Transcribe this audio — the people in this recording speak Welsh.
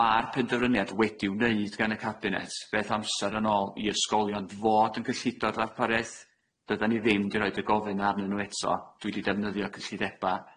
Ma'r penderfyniad wedi'i wneud gan y cabinet beth amser yn ôl i ysgolion fod yn gyllido'r darpariaeth, 'dydan ni ddim 'di roid y gofyn arnyn n'w eto, dwi 'di defnyddio cyllideba,